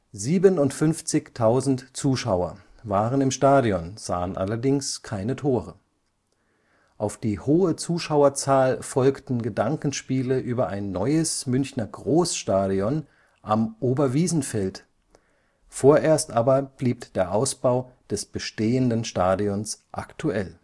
57.000 Zuschauer waren im Stadion, sahen allerdings keine Tore. Auf die hohe Zuschauerzahl folgten Gedankenspiele über ein neues Münchner Großstadion am Oberwiesenfeld, vorerst aber blieb der Ausbau des bestehenden Stadions aktuell